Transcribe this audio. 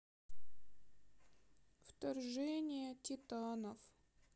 вторжение титанов